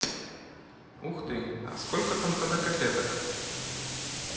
ух ты а сколько там тогда котлеток